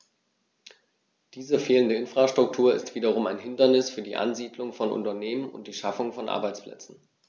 Diese fehlende Infrastruktur ist wiederum ein Hindernis für die Ansiedlung von Unternehmen und die Schaffung von Arbeitsplätzen.